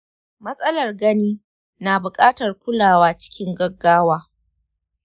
matsalar gani na bukatar kulawa cikin gaggawa.